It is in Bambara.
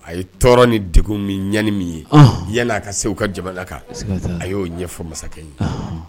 A ye tɔɔrɔ ni de ɲani min ye yan n' a ka se ka jamana kan a y'o ɲɛfɔ masakɛ ye